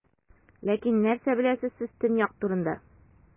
Ләкин нәрсә беләсез сез Төньяк турында?